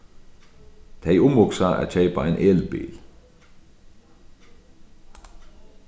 tey umhugsa at keypa ein elbil